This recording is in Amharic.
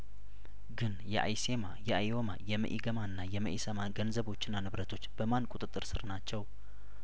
ግን የአኢሴማ የአኢወማ የመኢገማና የመኢሰማ ገንዘቦችናንብረቶች በማን ቁጥጥር ስር ናቸው